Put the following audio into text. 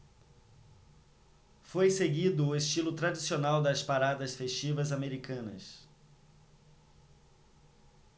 foi seguido o estilo tradicional das paradas festivas americanas